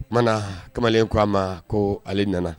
O kumana kamalen ko a ma ko ale nana.